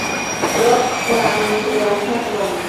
ลดความแรงพัดลม